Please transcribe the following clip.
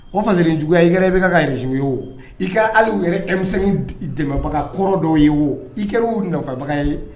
O fasekejuguya i yɛrɛ bɛka ka nci ye o i ka hali yɛrɛ e dɛmɛbaga kɔrɔ dɔw ye o i kɛra' nɔfɛbaga ye ye